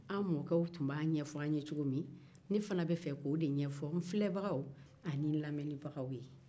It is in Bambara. an mɔkɛ tun b'a ɲɛfɔ an ye cogo min ne fana bɛ fɛ k'o de ɲɛfɔ filɛbagaw ani n lamɛnbagaw ye